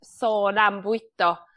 sôn am fwydo